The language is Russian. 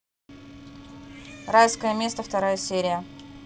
райское место вторая серия